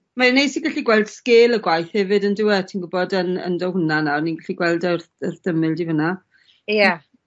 Mae o neis i gallu gweld sgêl y gwaith hefyd yndyw e ti'n gwybod yn yndo hwnna nawr ni'n gallu gweld e wrth wrth d'ymyl di fan 'na. Ie.